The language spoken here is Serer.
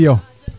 `iyo